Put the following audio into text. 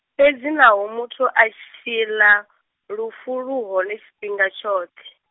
fhedzi naho muthu a tshila, lufu lu hone tshifhinga tshoṱhe.